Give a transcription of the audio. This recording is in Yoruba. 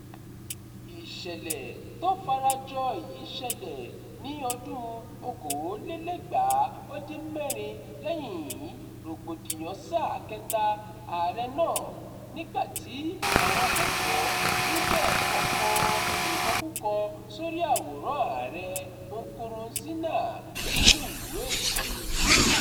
Ìṣẹ̀lẹ̀ tó fara jọ èyí ṣẹlẹ̀ ní 2016, lẹ́yìnin rògbòdìyàn sáà kẹ́ta Ààrẹ náà, nígbà tí àwọn akẹ́kọ̀ọ́ nílé ẹ̀kọ́ kọ ìkọkúkọ sórí àwòrán (Ààrẹ) Nkurunziza nínú ìwé ìkọ́ni.